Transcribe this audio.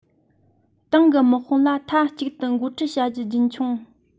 ཏང གིས དམག དཔུང ལ མཐའ གཅིག ཏུ འགོ ཁྲིད བྱ རྒྱུ རྒྱུན འཁྱོངས